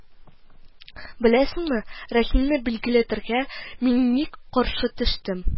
Беләсеңме, Рәхимне билгеләтергә мин ник каршы төштем